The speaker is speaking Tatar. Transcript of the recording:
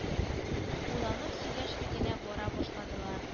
Уйланып сөйләшми генә бара башладылар